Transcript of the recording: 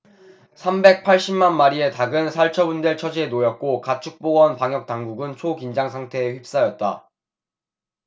삼백 팔십 만 마리의 닭은 살처분될 처지에 놓였고 가축보건 방역당국은 초긴장 상태에 휩싸였다